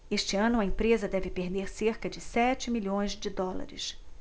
este ano a empresa deve perder cerca de sete milhões de dólares